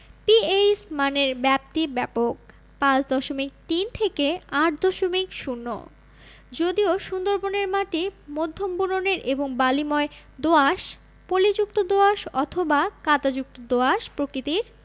PH মানের ব্যাপ্তী ব্যাপক ৫ দশমিক ৩ থেকে ৮ দশমিক ০ যদিও সুন্দরবনের মাটি মধ্যম বুননের এবং বালিময় দোআঁশ পলিযুক্ত দোআঁশ অথবা কাদাযুক্ত দোআঁশ প্রকৃতির